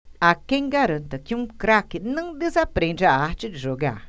há quem garanta que um craque não desaprende a arte de jogar